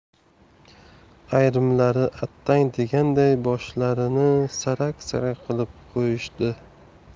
ayrimlari attang deganday boshla rini sarak sarak qilib qo'yishdi